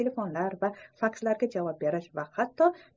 telefonlar va fakslarga javob berish va hatto